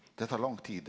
det tar lang tid.